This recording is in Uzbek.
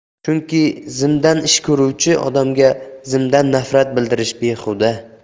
chunki zimdan ish ko'ruvchi odamga zimdan nafrat bildirish behuda